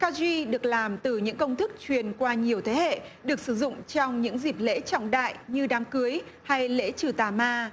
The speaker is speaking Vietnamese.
ca duy được làm từ những công thức truyền qua nhiều thế hệ được sử dụng trong những dịp lễ trọng đại như đám cưới hay lễ trừ tà ma